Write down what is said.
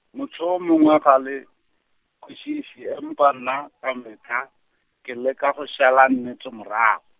mohlomongwe ga le, nkwišiše empa nna ka mehla, ke leka go šala nnete mora-.